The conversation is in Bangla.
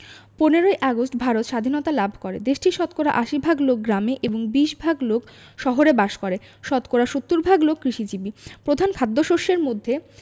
১৫ ই আগস্ট ভারত সাধীনতা লাভ করেদেশটির শতকরা ৮০ ভাগ লোক গ্রামে এবং ২০ ভাগ লোক শহরে বাস করে শতকরা ৭০ ভাগ লোক কৃষিজীবী প্রধান খাদ্যশস্যের মধ্যে